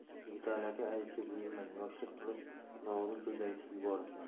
yigitali aka aybga buyurmang yoshlik qilib noo'rin so'z aytib yuboribman